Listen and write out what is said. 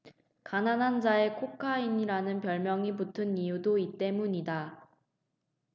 가난한 자의 코카인이라는 별칭이 붙은 이유도 이 때문이다